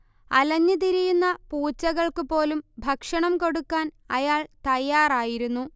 അലഞ്ഞ് തിരിയുന്ന പൂച്ചകൾക്ക് പോലും ഭക്ഷണം കൊടുക്കാൻ അയാള് തയ്യാറായിരുന്നു